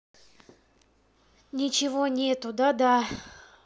ничего нету да да